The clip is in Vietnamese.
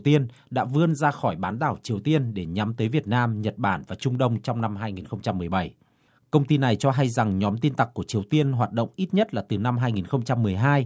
tiên đã vươn ra khỏi bán đảo triều tiên để nhắm tới việt nam nhật bản và trung đông trong năm hai nghìn không trăm mười bảy công ty này cho hay rằng nhóm tin tặc của triều tiên hoạt động ít nhất là từ năm hai nghìn không trăm mười hai